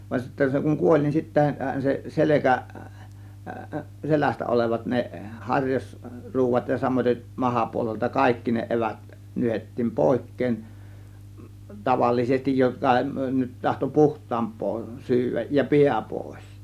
vaan sitten se kun kuoli niin sittenhän se selkä selästä olevat ne - harjasruodat ja samaten mahapuolelta kaikki ne evät nyhdettiin pois tavallisesti joka nyt tahtoi puhtaampaa syödä ja pää pois